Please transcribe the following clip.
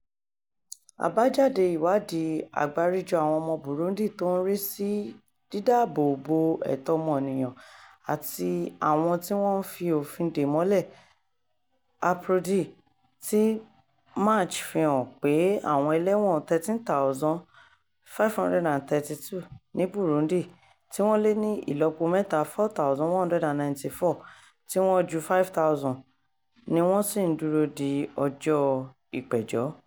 Àbájade ìwádìí Àgbáríjọ àwọn ọmọ Burundi tó ń rí sí dídábòòbo ẹ̀tọ́ ọmọniyàn àti àwọn tí wọ́n fi òfin dè mọ́lẹ̀ (APRODH) ti March fi hàn pé àwọn ẹlẹ́wọ̀n 13,532 ni Burundi, tí wọ́n lé ní ìlọ́po mẹ́ta 4,194; tí wọ́n ju 5,000 ni wọn ṣì ń dúró di ọjọ́ ìpẹ̀jọ́.